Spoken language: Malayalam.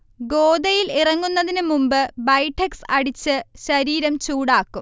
ഗോദയിൽ ഇറങ്ങുന്നതിന് മുമ്പ് ബൈഠക്സ് അടിച്ച് ശരീരം ചൂടാക്കും